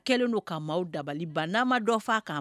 Kɛlen don ka maaw dabali bama dɔ faga